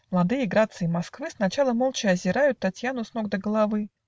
Младые грации Москвы Сначала молча озирают Татьяну с ног до головы